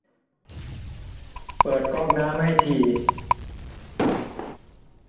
เปิดก๊อกน้ำให้ที